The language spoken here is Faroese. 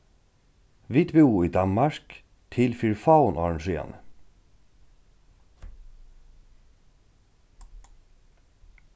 vit búðu í danmark til fyri fáum árum síðani